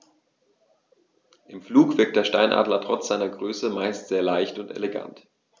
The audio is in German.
Im Flug wirkt der Steinadler trotz seiner Größe meist sehr leicht und elegant.